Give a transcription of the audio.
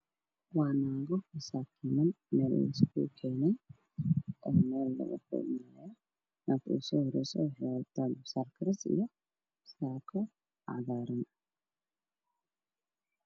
Waa dad badan oo meel fadhiyaan oo iskugu jira rag iyo dumar oo sacbinaayo